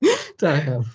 Da iawn.